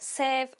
sef